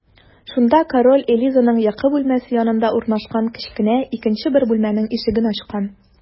Шунда король Элизаның йокы бүлмәсе янында урнашкан кечкенә икенче бер бүлмәнең ишеген ачкан.